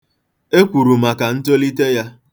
E kwuru maka ntolite ya.